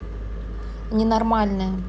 ненормальное